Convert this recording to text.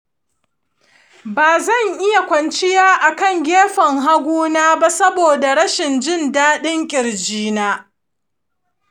bazan iya kwanciya akan gefen hagu na ba saboda rashin jin daɗin ƙirji na.